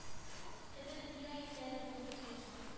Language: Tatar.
Теге дөнья ияләре булып тоелган